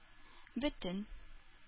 Бөтен